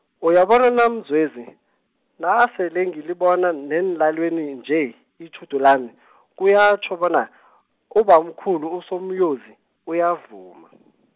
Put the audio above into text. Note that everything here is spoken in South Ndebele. uyabona Namzwezi, nasele ngilibona neenlwaneni nje, itjhudu lami, kuyatjho bona, ubamkhulu uSoNyosi, uyavuma.